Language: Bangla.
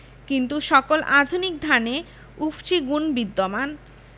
কিন্তু সকল আধুনিক ধানে উফশী গুণ বিদ্যমান